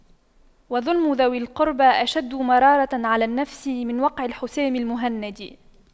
وَظُلْمُ ذوي القربى أشد مرارة على النفس من وقع الحسام المهند